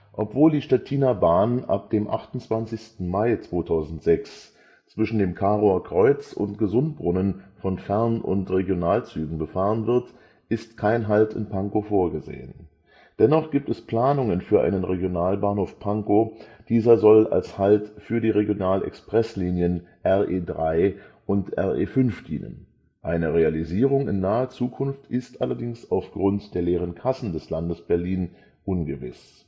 Obwohl die Stettiner Bahn ab dem 28. Mai 2006 zwischen dem Karower Kreuz und Gesundbrunnen von Fern - und Regionalzügen befahren wird, ist kein Halt in Pankow vorgesehen. Dennoch gibt es Planungen für einen Regionalbahnhof Pankow, dieser soll als Halt für die Regional-Express-Linien RE3 und RE5 dienen. Eine Realisierung in naher Zukunft ist allerdings auf Grund der leeren Kassen des Landes Berlin ungewiss